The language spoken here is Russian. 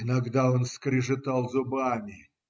Иногда он скрежетал зубами.